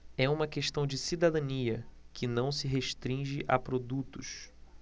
é uma questão de cidadania que não se restringe a produtos